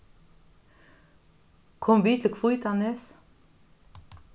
kom við til hvítanes